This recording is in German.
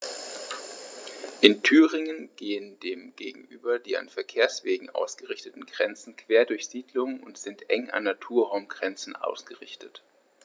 In Thüringen gehen dem gegenüber die an Verkehrswegen ausgerichteten Grenzen quer durch Siedlungen und sind eng an Naturraumgrenzen ausgerichtet.